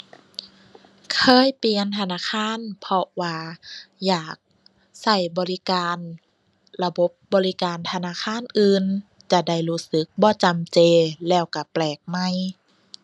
เคยเปลี่ยนธนาคาร เพราะว่าอยากใช้บริการ ระบบบริการธนาคารอื่น จะได้รู้สึกบ่จำเจแล้วใช้แปลกใหม่